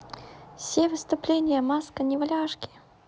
все выступления маска неваляшки